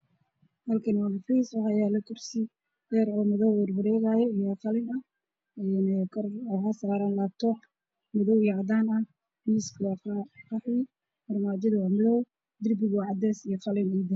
Waa xafiis yaalo laabtoop